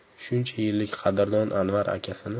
shuncha yillik qadrdon anvar akasini